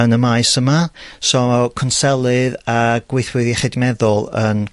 yn y maes yma, so ma' cwnselydd a gweithwyr iechyd meddwl yn